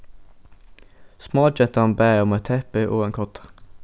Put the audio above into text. smágentan bað um eitt teppi og ein kodda